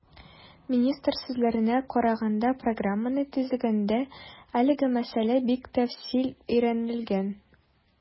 Министр сүзләренә караганда, программаны төзегәндә әлеге мәсьәлә бик тәфсилләп өйрәнелгән.